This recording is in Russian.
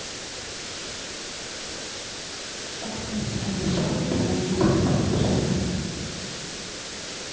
таксист обещал покалечить пассажира